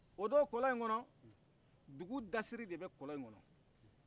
o do kɔlɔn in kɔnɔ dugu dasiri de bɛ kɔlɔn in kɔnɔ